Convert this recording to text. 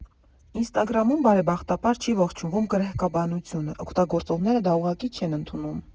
Ինստագրամում, բարեբախտաբար, չի ողջունվում գռեհկաբանությունը, օգտագործողները դա ուղղակի չեն ընդունում։